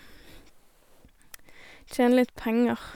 Tjene litt penger.